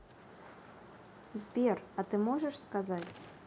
сбер а ты можешь сказать